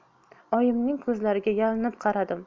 oyimning ko'ziga yalinib qaradim